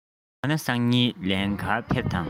འོ ན སང ཉིན ལེན ག ཕེབས དང